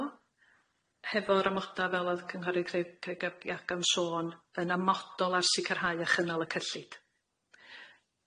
o, hefo'r amoda fel odd cynghorydd cre- Creg ab Iago yn sôn, yn amodol ar sicirhau a chynnal y cyllid.